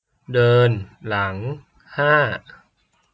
เดินหลังห้า